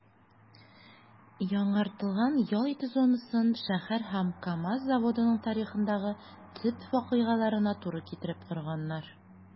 Яңартылган ял итү зонасын шәһәр һәм КАМАЗ заводының тарихындагы төп вакыйгаларына туры китереп корганнар.